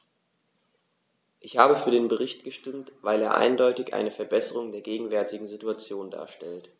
Ich habe für den Bericht gestimmt, weil er eindeutig eine Verbesserung der gegenwärtigen Situation darstellt.